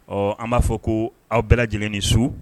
Ɔ an b'a fɔ ko aw bɛɛ lajɛlen ni su